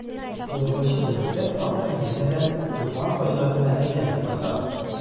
Тугызынчы бүлектә автор янәдән Туфан фаҗигасенә әйләнеп кайта.